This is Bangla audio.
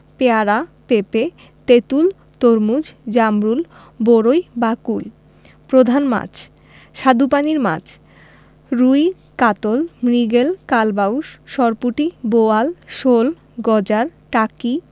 পেয়ারা পেঁপে তেঁতুল তরমুজ জামরুল বরই বা কুল প্রধান মাছঃ স্বাদুপানির মাছ রুই কাতল মৃগেল কালবাউস সরপুঁটি বোয়াল শোল গজার টাকি